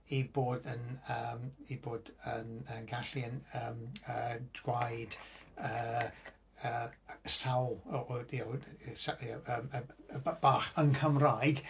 I bod yn yym... i bod yn yn gallu... yn yym yy... dweud yy yy sawl w- w- ie ie sa- yym yy b- bach yn Cymraeg.